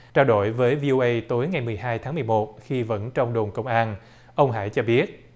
trao đổi với vi ô ây tối ngày mười hai tháng mười một khi vẫn trong đồn công an ông hải cho biết